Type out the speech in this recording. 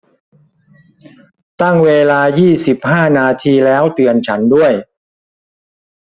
ตั้งเวลายี่สิบห้านาทีแล้วเตือนฉันด้วย